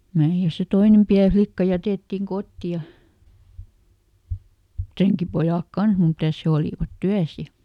menivät ja se toinen pieni likka jätettiin kotiin ja renkipojat kanssa mitäs he olivat työssä ja